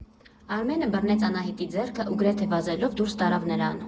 Արմենը բռնեց Անահիտի ձեռքը ու գրեթե վազելով դուրս տարավ նրան։